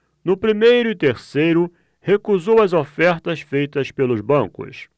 no primeiro e terceiro recusou as ofertas feitas pelos bancos